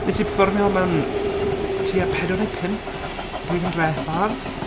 Wnes i pefformio mewn, yy tua pedwar neu pump blwyddyn diwethaf?